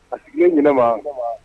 Ɲɛnama